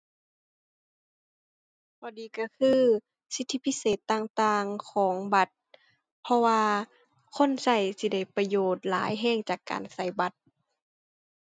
ข้อดีก็คือสิทธิพิเศษต่างต่างของบัตร เพราะว่าคนก็สิได้ประโยชน์หลายก็จากการก็บัตร